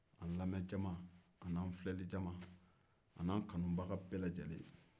an lamɛjama an'an filɛlijama an'an kanubaga bɛɛ lajɛlen